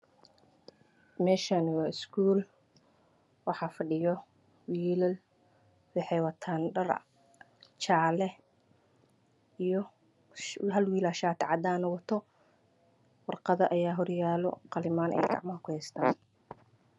Meeshaan waa iskuul waxaa fadhiyo wiilal waxay wataan dhar jaale ah, hal wiil ayaa shaati cadaan ah wato, warqado ayaa horyaalo iyo qalimaan.